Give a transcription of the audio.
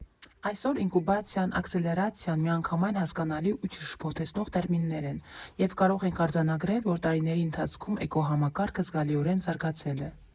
Այսօր «ինկուբացիան», «աքսելերացիան» միանգամայն հասկանալի ու չշփոթեցնող տերմիններ են, և կարող ենք արձանագրել, որ տարիների ընթացքում էկոհամակարգը զգալիորեն զարգացել է»։